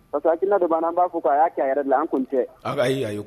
Parce que a k'ina dɔ banna an b'a fɔ ko a y'a' yɛrɛ la an kɔni tɛ y' y' ye